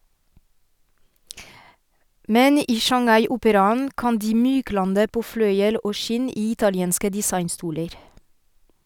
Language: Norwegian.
Men i Shanghai-operaen kan de myklande på fløyel og skinn i italienske designstoler.